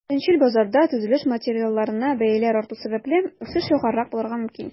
Беренчел базарда, төзелеш материалларына бәяләр арту сәбәпле, үсеш югарырак булырга мөмкин.